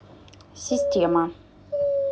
система